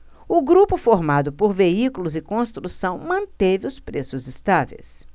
o grupo formado por veículos e construção manteve os preços estáveis